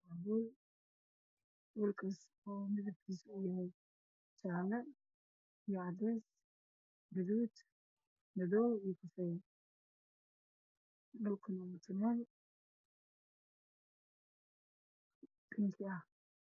Waa hool midabkiisu waa jaale iyo cadeys, gaduud, madow iyo basali, dhulkana waa mutuleel qaxwi ah.